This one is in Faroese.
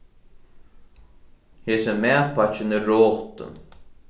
hesin matpakkin er rotin